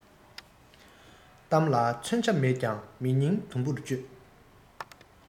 གཏམ ལ ཚོན ཆ མེད ཀྱང མི སྙིང དུམ བུར གཅོད